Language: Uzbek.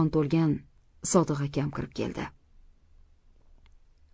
to'lgan sodiq akam kirib keldi